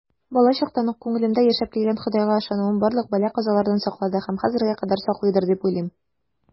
Балачактан ук күңелемдә яшәп килгән Ходайга ышануым барлык бәла-казалардан саклады һәм хәзергә кадәр саклыйдыр дип уйлыйм.